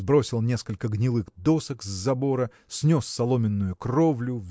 сбросил несколько гнилых досок с забора снес соломенную кровлю